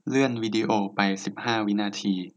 เลื่อนวีดีโอไปสิบห้าวินาที